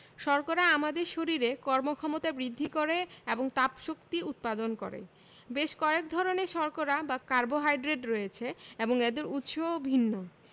শর্করা আমাদের শরীরে কর্মক্ষমতা বৃদ্ধি করে এবং তাপশক্তি উৎপাদন করে বেশ কয়েক ধরনের শর্করা বা কার্বোহাইড্রেট রয়েছে এবং এদের উৎসও ভিন্ন